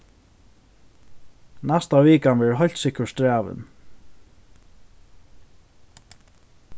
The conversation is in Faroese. næsta vikan verður heilt sikkurt strævin